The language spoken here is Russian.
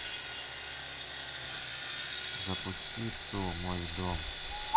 запусти цу мой дом